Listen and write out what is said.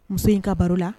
Muso in ka baro la